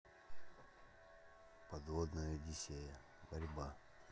подводная одиссея борьба